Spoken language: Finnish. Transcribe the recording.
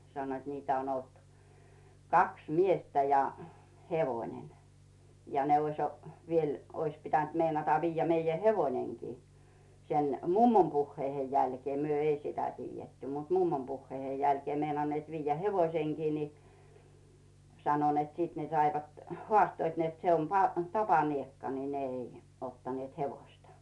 sanoivat niitä on ollut kaksi miestä ja hevonen ja ne olisi vielä olisi pitänyt meinata viedä meidän hevonenkin sen mummon puheiden jälkeen me ei sitä tiedetty mutta mummon puheiden jälkeen meinanneet viedä hevosenkin niin sanoi että sitten ne saivat haastoivat että se on - tapaniekka niin ne ei ottaneet hevosta